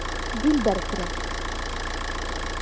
Дилбәр керә.